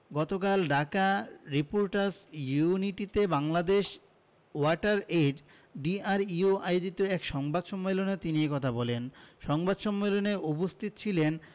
গতকাল ঢাকা রিপোর্টার্স ইউনিটিতে Bangladesh water aid DRU আয়োজিত এক সংবাদ সম্মেলন তিনি এ কথা বলেন সংবাদ সম্মেলনে উপস্থিত ছিলেন